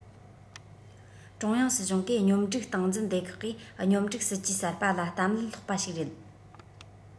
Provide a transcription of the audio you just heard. ཀྲུང དབྱང སྲིད གཞུང གི སྙོམས སྒྲིག སྟངས འཛིན སྡེ ཁག གིས སྙོམས སྒྲིག སྲིད ཇུས གསར པ ལ གཏམ ལན སློག པ ཞིག རེད